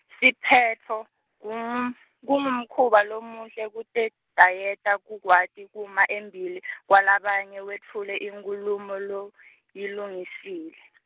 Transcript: siphetfo, kum- kungumkhuba lomuhle kutetayeta kukwati kuma embili , kwalabanye wetfule inkhulumo loyilungisile.